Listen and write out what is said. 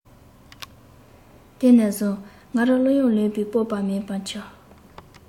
དེ ནས བཟུང ང རང གླུ དབྱངས ལེན པའི སྤོབས པ མེད པར གྱུར